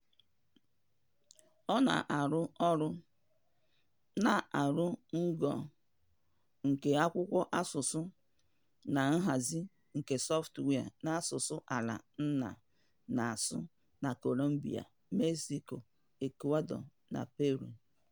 Ọ na-arụ ọrụ na oru ngo nke akwụkwọ asụsụ na nhazi nke software n'asụsụ ala nna na-asụ na Colombia, Mexico, Ecuador na Peru.